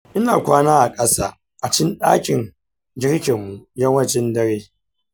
ina kwana a ƙasa a cikin ɗakin girkinmu yawancin dare.